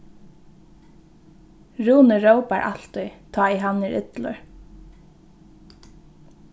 rúni rópar altíð tá ið hann er illur